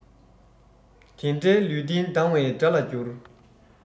དེ འདྲའི ལུས རྟེན སྡང བའི དགྲ ལ འགྱུར